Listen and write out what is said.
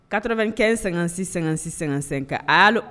Kato bɛ kɛ in sɛgɛn-sɛ- sɛgɛnsɛka ali